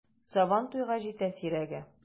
Сабан туйга җитә сирәге!